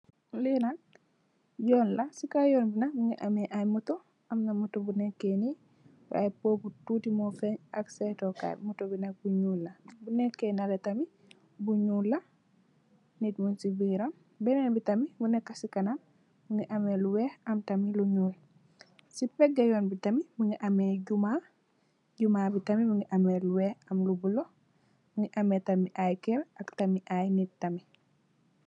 Lee nak yoon la se kaw yoon be nak muge ameh aye motou amna motou bu neke ne way bobu tuti mu feng ak setou kay motou be nak bu nuul la bu neke nele tamin bu nuul la neet mugse biram benen be tamin bu neka se kanam muge ameh lu weex am tamin lu nuul se pege yoon be tamin muge ameh jumah jumah be tamin muge ameh lu weex am lu bulo ameh tamin aye kerr ak tamin aye neet tamin.